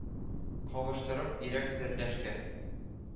Кавыштырып ирек-сердәшкә,